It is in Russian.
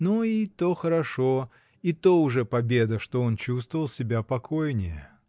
Но и то хорошо, и то уже победа, что он чувствовал себя покойнее.